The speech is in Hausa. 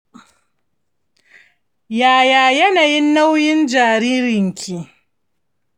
yaya yanayin nauyin jaririnki